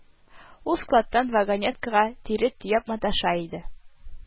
Ул складтан вагонеткага тире төяп маташа иде